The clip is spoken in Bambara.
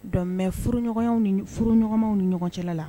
Donc mais furuɲɔgɔnyanw furuɲɔgɔnmanw ni ɲɔgɔn cɛla la